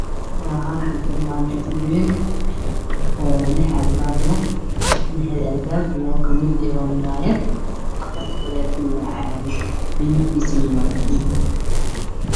Halkaan waxaa ka muuqdo armaajo wayn oo lix albaab leh labo kamid ah waa muuraayad midabkeedu waa gareey